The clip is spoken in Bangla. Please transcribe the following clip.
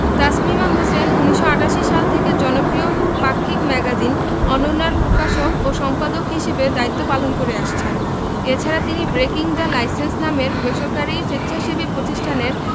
তাসমিমা হোসেন ১৯৮৮ সাল থেকে জনপ্রিয় পাক্ষিক ম্যাগাজিন অনন্যা র প্রকাশক ও সম্পাদক হিসেবে দায়িত্ব পালন করে আসছেন এ ছাড়া তিনি ব্রেকিং দ্য লাইসেন্স নামের বেসরকারি স্বেচ্ছাসেবী প্রতিষ্ঠানের